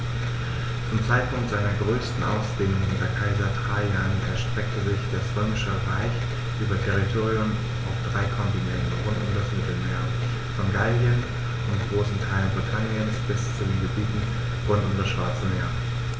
Zum Zeitpunkt seiner größten Ausdehnung unter Kaiser Trajan erstreckte sich das Römische Reich über Territorien auf drei Kontinenten rund um das Mittelmeer: Von Gallien und großen Teilen Britanniens bis zu den Gebieten rund um das Schwarze Meer.